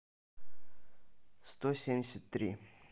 сто семьдесят три